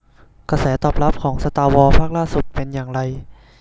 กระแสตอบรับของสตาร์วอร์ภาคล่าสุดเป็นอย่างไร